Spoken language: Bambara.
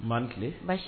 Nbaa ni tilen basi